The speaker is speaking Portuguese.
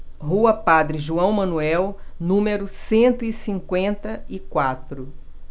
rua padre joão manuel número cento e cinquenta e quatro